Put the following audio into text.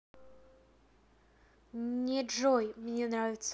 не джой мне нравится